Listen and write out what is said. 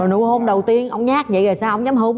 còn nụ hôn đầu tiên ông nhát dậy sao ông dám hôn